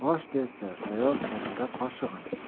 osh desa tayyor katta qoshig'im